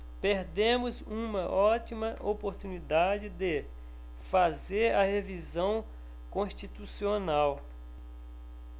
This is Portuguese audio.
perdemos uma ótima oportunidade de fazer a revisão constitucional